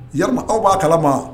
Ya aw b'a kalama